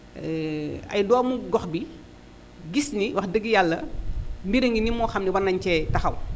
ay doomu gox bi gis ni wax dëgg yàlla mbir a ngi nii moo xam ne war nañu cee taxaw